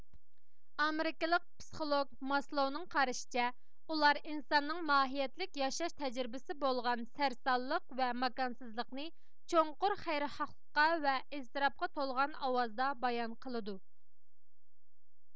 ئامېرىكىلىق پسىخولوگ ماسلوۋنىڭ قارىشىچە ئۇلار ئىنساننىڭ ماھىيەتلىك ياشاش تەجرىبىسى بولغان سەرسانلىق ۋە ماكانسىزلىقنى چوڭقۇر خەيرىخاھلىققا ۋە ئىزتىراپقا تولغان ئاۋازدا بايان قىلىدۇ